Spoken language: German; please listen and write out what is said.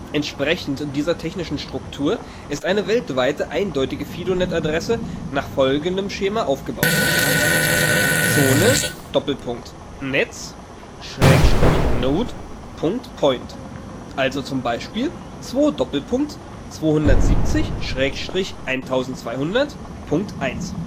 Entsprechend dieser technischen Struktur ist eine weltweite eindeutige FidoNet-Adresse nach folgendem Schema aufgebaut: Zone:Net/Node.Point (also zum Beispiel 2:270/1200.1